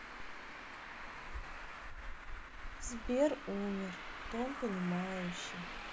сбер умер тон понимающий